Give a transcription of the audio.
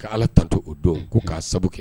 ' ala tan to o dɔn ko k'a sababu kɛ